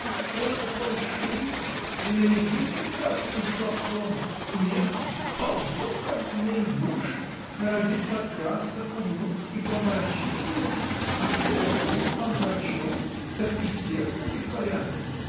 Острота фальшива, принарядится красным словцом, смехом, ползет, как змей, в уши, норовит подкрасться к уму и помрачить его, а когда ум помрачен, так и сердце не в порядке.